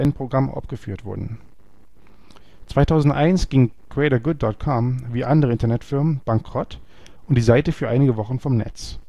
UN-Programm abgeführt wurden. 2001 ging GreaterGood.com – wie andere Internetfirmen – bankrott und die Seite für einige Wochen vom Netz